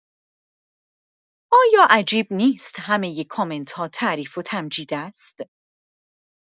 آیا عجیب نیست همۀ کامنت‌ها تعریف و تمجید است؟